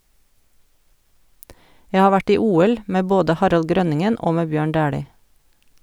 Jeg har vært i OL med både Harald Grønningen og med Bjørn Dæhlie.